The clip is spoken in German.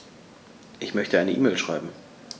Ich möchte eine E-Mail schreiben.